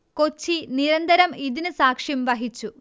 കൊച്ചി നിരന്തരം ഇതിന് സാക്ഷ്യം വഹിച്ചു